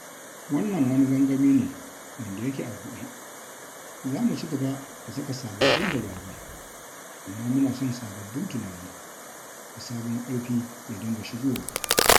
Wannan wani gangami ne wanda yake a buɗe - za mu cigaba da saka sababbin dabaru, amma muna son sababbin tunani da sabon ƙarfi ya dinga shigowa.